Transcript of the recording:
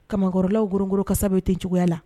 Kaman kɔrɔlaw goron goron kasa bɛ tɛ o cogoya la.